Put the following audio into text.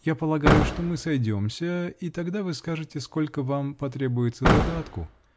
Я полагаю, что мы сойдемся, и тогда вы скажете, сколько вам потребуется задатку.